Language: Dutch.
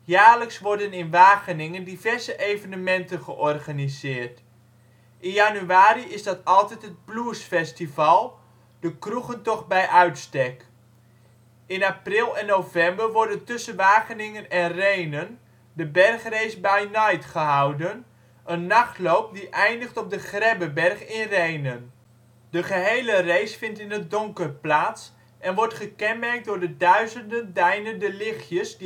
Jaarlijks worden in Wageningen diverse evenementen georganiseerd. In januari is dat altijd het Bluesfestival, de kroegentocht bij uitstek. In april en november wordt tussen Wageningen en Rhenen de Bergrace by Night gehouden, een nachtloop, die eindigt op de Grebbeberg in Rhenen. De gehele race vindt in het donker plaats, en wordt gekenmerkt door de duizenden deinende lichtjes